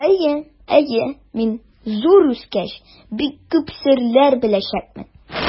Әйе, әйе, мин, зур үскәч, бик күп серләр беләчәкмен.